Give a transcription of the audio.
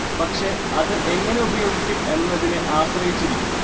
പക്ഷെ അത് എങ്ങനെ ഉപയോഗിക്കും എന്നതിനെ ആശ്രയ്ചിരിക്കും